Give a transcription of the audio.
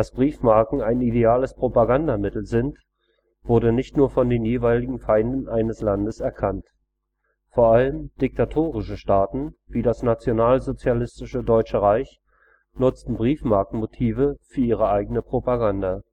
Briefmarken ein ideales Propagandamittel sind, wurde nicht nur von den jeweiligen Feinden eines Landes erkannt. Vor allem diktatorische Staaten wie das nationalsozialistische Deutsche Reich nutzten Briefmarkenmotive für ihre eigene Propaganda